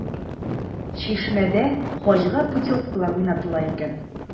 “чишмә”дә хаҗга путевкалар уйнатыла икән.